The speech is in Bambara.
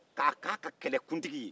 k'a kɛ a ka kɛlɛkuntigi ye